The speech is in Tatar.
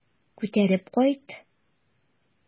Күтәреп кайт.